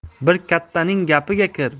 bir kattaning gapiga